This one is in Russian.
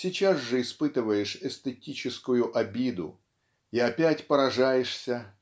сейчас же испытываешь эстетическую обиду. И опять поражаешься